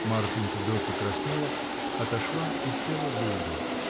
Марфинька вдруг покраснела, отошла и села в угол.